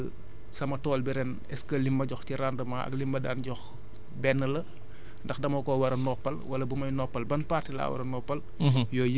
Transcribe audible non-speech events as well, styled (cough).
ak (hesitation) sama tool bi ren est ce que li ma jox ci rendement ak lim ma ma daan jox benn la ndax dama ko war a noppal wala bu may noppal ban partie la war a noppal